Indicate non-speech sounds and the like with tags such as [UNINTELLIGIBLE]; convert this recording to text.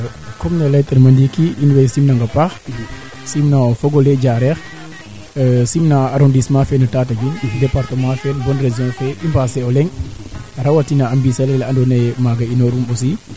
surtout kee xot toona no walu gancax wee environnement fee moƴa mbaat pour projet nene nen keeke a gara nga a bugo dimle a nuun no ke xotoona no walu [UNINTELLIGIBLE] aussi dejas nu maitriser a kee ando naye ten ref milieu fee